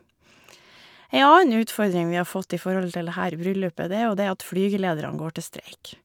Ei annen utfordring vi har fått i forhold til det her bryllupet, det er jo det at flygelederne går til streik.